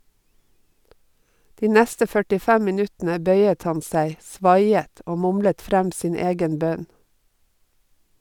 De neste 45 minuttene bøyet han seg, svaiet og mumlet frem sin egen bønn.